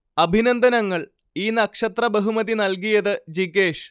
അഭിനന്ദനങ്ങൾ ഈ നക്ഷത്ര ബഹുമതി നൽകിയത് ജിഗേഷ്